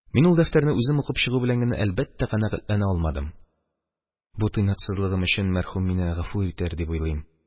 Мин ул дәфтәрне үзем укып чыгу белән генә, әлбәттә, канәгатьләнә алмадым, – бу тыйнаксызлыгым өчен мәрхүм мине гафу итәр дип уйлыйм.